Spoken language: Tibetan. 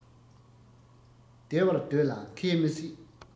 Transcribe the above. བདེ བར སྡོད ལ མཁས མི སྲིད